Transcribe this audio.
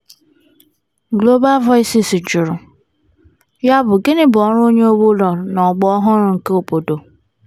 Global Voices (GV): Yabụ gịnị bụ ọrụ onye owu ụlọ n'ụgbọ ọhụrụ nke obodo?